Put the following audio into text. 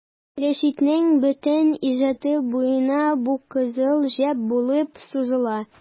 Рәшитнең бөтен иҗаты буена бу кызыл җеп булып сузыла.